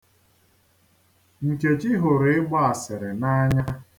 Nkechi hụrụ ịgba asịrị n'anya.